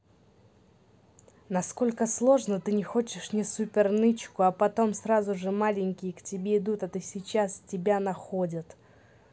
насколько сложно ты не хочешь не супер нычку а потом сразу же маленькие к тебе идут а ты сейчас тебя находят